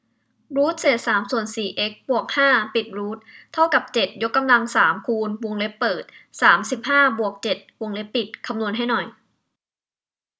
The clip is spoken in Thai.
รูทเศษสามส่วนสี่เอ็กซ์บวกห้าปิดรูทเท่ากับเจ็ดยกกำลังสามคูณวงเล็บเปิดสามสิบห้าบวกเจ็ดวงเล็บปิดคำนวณให้หน่อย